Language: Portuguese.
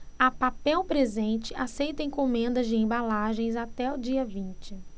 a papel presente aceita encomendas de embalagens até dia vinte